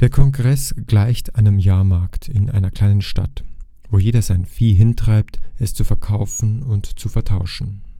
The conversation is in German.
Kongress gleicht einem Jahrmarkt in einer kleinen Stadt, wo jeder sein Vieh hintreibt, es zu verkaufen und zu vertauschen